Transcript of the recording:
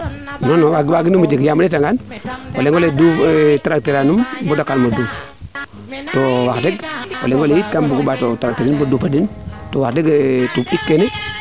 non non waginum o jeg yaam o ndeeta ngaan o leŋole traiter aanum bo dakan mo duuf to wax deg o leŋole kam bugo mbaato tenter nene dupatin to wax deg tupit kene